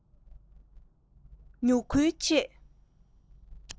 མྱུ གུའི ཆེད